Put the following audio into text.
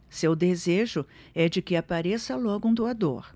seu desejo é de que apareça logo um doador